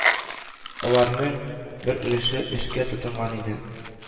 Алар-ның бер өлеше эшкә тотынган инде